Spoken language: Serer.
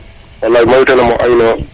walay mayu ten a mo a inoyo